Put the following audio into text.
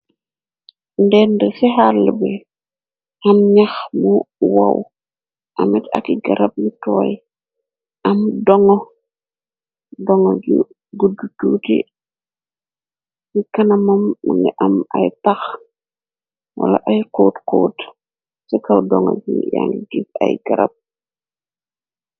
Ndenda ci xaal bi am ñaax mu wow amit aki garab yu tooy am dono doŋo gi guddu tuuti ci kanamam mongi am ay tax wala ay coot koot ci kaw doŋo ji yangi giss ay garab.